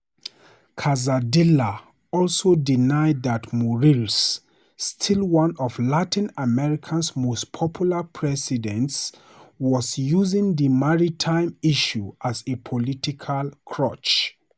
Calzadilla also denied that Morales - still one of Latin America's most popular presidents - was using the maritime issue as a political crutch.